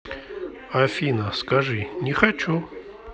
афина скажи не хочу